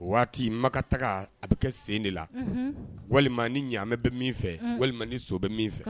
O Waati makan taga a bi kɛ sen de la . Unhun walima ni ɲaamɛ bɛ min fɛ walima ni so bɛ min fɛ.